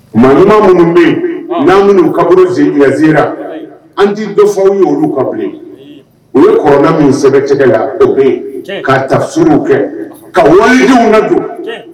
Maa minnu bɛ yen n'an minnuu kab zi nka zera an' dɔ fɔw ye olu ka bilen u ye kɔrɔn minnu sɛbɛnbɛ cɛ la dɔ bɛ ka tauruw kɛ ka wa na don